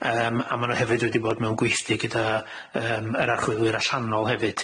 Yym a ma' nw hefyd wedi bod mewn gweithdy gyda yym yr archwilwyr allanol hefyd.